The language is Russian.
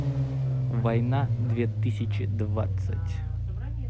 война две тысячи двадцать